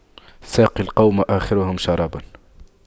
ساقي القوم آخرهم شراباً